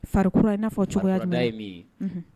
Farikura i n'a fɔ cogoya ba ye min ye